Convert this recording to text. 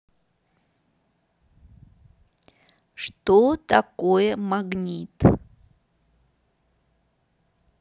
что такое магнит